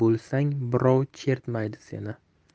bo'lsang birov chertmaydi seni